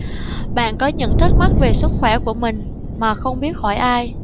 bạn có những thắc mắc về sức khỏe của mình mà không biết hỏi ai